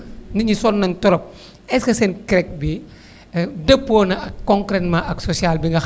nit ñi sonn nañ trop est ce que seen CREC bi dëppoo na ak concretement ak social bi nga